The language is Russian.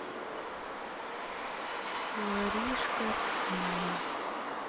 воришка сим